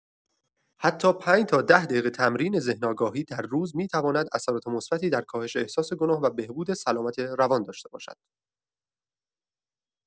حتی ۵ تا ۱۰ دقیقه تمرین ذهن‌آگاهی در روز می‌تواند اثرات مثبتی در کاهش احساس گناه و بهبود سلامت روان داشته باشد.